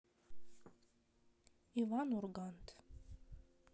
иван ургант